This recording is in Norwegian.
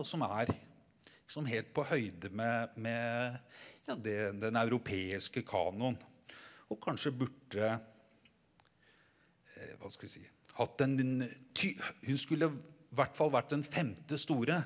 og som er sånn helt på høyde med med ja det den europeiske kanon og kanskje burde hva skal vi si hatt en hun skulle hvert fall vært den femte store.